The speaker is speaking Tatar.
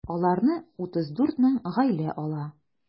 Аларны 34 мең гаилә ала.